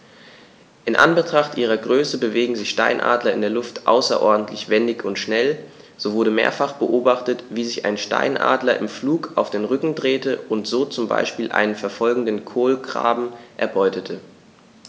In Anbetracht ihrer Größe bewegen sich Steinadler in der Luft außerordentlich wendig und schnell, so wurde mehrfach beobachtet, wie sich ein Steinadler im Flug auf den Rücken drehte und so zum Beispiel einen verfolgenden Kolkraben erbeutete.